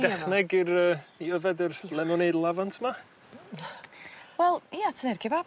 ...dechneg i'r yy i yfed yr lemonêd lafant 'ma? Wel ia tynnu'r kebab!